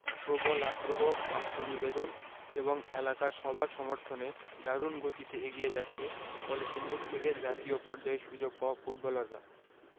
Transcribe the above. প্রবল আগ্রহ আত্মনিবেদন এবং এলাকার সবার সমর্থনে দারুণ গতিতে এগিয়ে যাচ্ছে কলসিন্দুর থেকে জাতীয় পর্যায়ে সুযোগ পাওয়া ফুটবলাররা